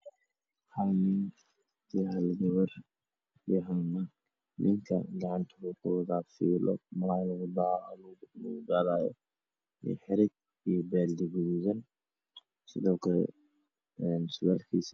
Waxa ay muuqda nin wato fanaanad iyo maawiis waxa uu ku fadhiyaa gambar waxa uu gacanta ku hayaa fiilo agtiisa waxay yaalla sakael guduudan